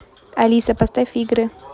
алиса поставь игры